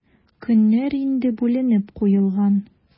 Көннәр инде бүленеп куелган.